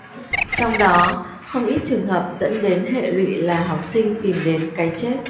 trong đó không ít trường hợp dẫn đến hệ lụy là học sinh tìm đến cái chết